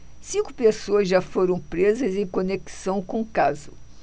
cinco pessoas já foram presas em conexão com o caso